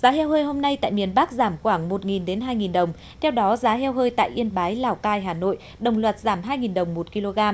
giá heo hơi hôm nay tại miền bắc giảm khoảng một nghìn đến hai nghìn đồng theo đó giá heo hơi tại yên bái lào cai hà nội đồng loạt giảm hai nghìn đồng một ki lô gam